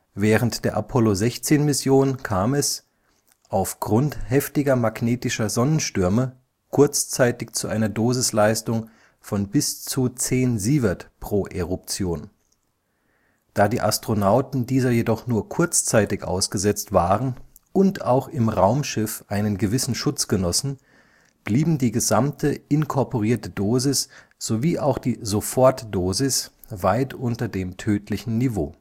Während der Apollo-16-Mission kam es, auf Grund heftiger magnetischer Sonnenstürme, kurzzeitig zu einer Dosisleistung von bis zu 10 Sv/Eruption. Da die Astronauten dieser jedoch nur kurzzeitig ausgesetzt waren und auch im Raumschiff einen gewissen Schutz genossen, blieben die gesamte inkorporierte Dosis sowie auch die Sofortdosis weit unter dem tödlichen Niveau